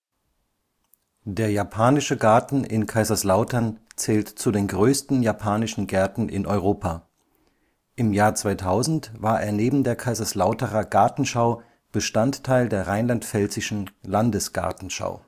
Der Japanische Garten in Kaiserslautern zählt zu den größten japanischen Gärten in Europa. Im Jahr 2000 war er neben der Kaiserslauterer Gartenschau Bestandteil der rheinland-pfälzischen Landesgartenschau